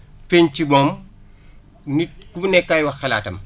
pénc moom nit ku nekkay wax xalaatam